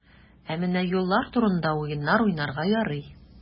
Ә менә юллар турында уеннар уйнарга ярый.